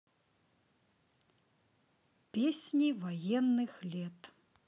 песни военных лет